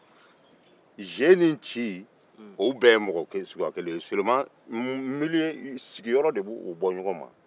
ziye ni nci bɛɛ ye mɔgɔ suguya kelen ye sigiyɔrɔ de b'u bɔ ɲɔgɔn ma